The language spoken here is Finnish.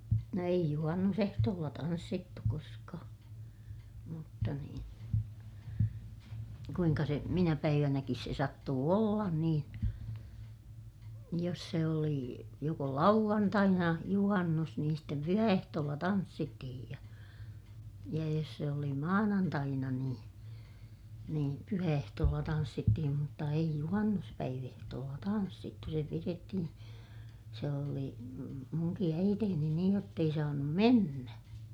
no ei juhannusehtoolla tanssittu koskaan mutta niin kuinka se minä päivänäkin se sattui olla niin jos se oli joko lauantaina juhannus niin sitten pyhäehtoolla tanssittiin ja ja jos se oli maanantaina niin niin pyhäehtoolla tanssittiin mutta ei - juhannuspäiväehtoolla tanssittu se pidettiin se oli minunkin äitini niin jotta ei saanut mennä